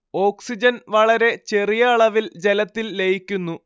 ഓക്സിജന്‍ വളരെ ചെറിയ അളവില്‍ ജലത്തില്‍ ലയിക്കുന്നു